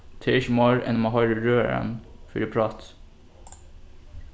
tað er ikki meir enn at mann hoyrir røðaran fyri práti